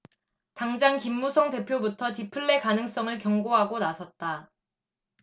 당장 김무성 대표부터 디플레 가능성을 경고하고 나섰다